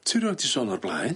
Yy ti rioed di sôn o'r blaen?